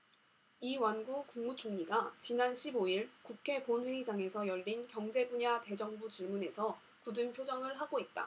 이완구 국무총리가 지난 십 오 일 국회 본회의장에서 열린 경제분야 대정부질문에서 굳은 표정을 하고 있다